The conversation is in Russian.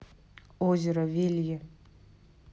озеро велье